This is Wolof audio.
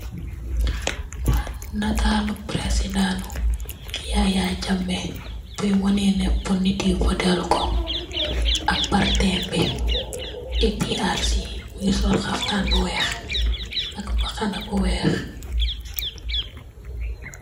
Ah naatalu president yaya jammeh bui wohneh neh pur nitt yii votel kor, ak partem APRC mungy sol khaftan bu wekh ak mbahanahm.